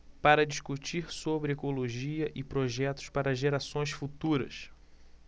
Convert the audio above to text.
para discutir sobre ecologia e projetos para gerações futuras